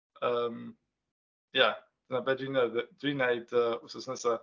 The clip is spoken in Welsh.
Yym ia, dyna be dwi'n newydd... dwi'n wneud wythnos nesaf.